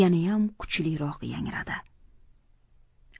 yana ham kuchli roq yangradi